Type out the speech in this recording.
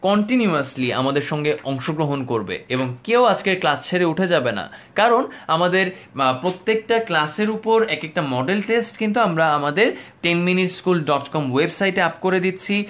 continuously আমাদের সঙ্গে অংশগ্রহণ করবে কেউ আজকের ক্লাস ছেড়ে উঠে যাবে না কারণ আমাদের প্রত্যেকটা ক্লাসের উপর এক একটা মডেল টেস্ট কিন্তু আমরা আমাদের টেন মিনিট স্কুল ডটকম ওয়েবসাইটে আপ করে দিচ্ছি